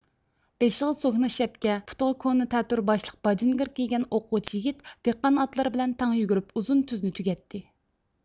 بېشىغا سوكنا شەپكە پۇتىغا كونا تەتۈر باشلىق باجىنگىر كىيگەن ئوقۇغۇچى يىگىت دېھقان ئاتلىرى بىلەن تەڭ يۈگۈرۈپ ئۇزۇن تۈزنى تۈگەتتى